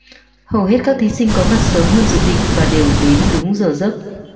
hầu hết các thí sinh có mặt sớm hơn dự định và đều đến đúng giờ giấc